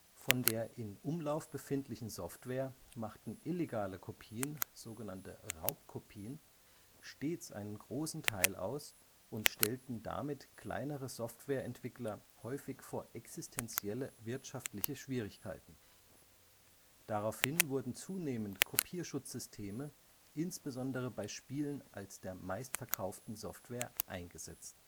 Von der in Umlauf befindlichen Software machten illegale Kopien („ Raubkopien “) stets einen großen Teil aus und stellten damit kleinere Softwareentwickler häufig vor existentielle wirtschaftliche Schwierigkeiten. Daraufhin wurden zunehmend Kopierschutzsysteme insbesondere bei Spielen als der meistverkauften Software eingesetzt